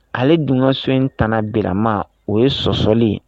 Ale dununso in tɛna birama o ye sɔsɔlen